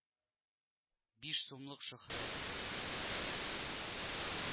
Биш сумлык шөһрәт,— диде